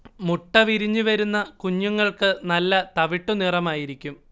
മുട്ട വിരിഞ്ഞ് വരുന്ന കുഞ്ഞുങ്ങൾക്ക് നല്ല തവിട്ട് നിറമായിരിക്കും